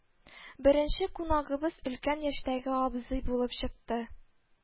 Беренче кунагыбыз өлкән яшьтәге абзый булып чыкты